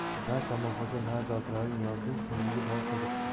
na kamolxo'ja na zokirali niyozning kimligi bilan qiziqdi